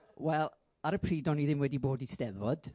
Wel, ar y pryd o'n i ddim wedi bod i Steddfod.